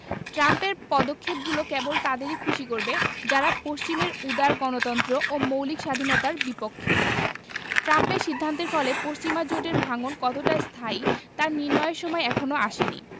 ট্রাম্পের পদক্ষেপগুলো কেবল তাদেরই খুশি করবে যারা পশ্চিমের উদার গণতন্ত্র ও মৌলিক স্বাধীনতার বিপক্ষে ট্রাম্পের সিদ্ধান্তের ফলে পশ্চিমা জোটের ভাঙন কতটা স্থায়ী তা নির্ণয়ের সময় এখনো আসেনি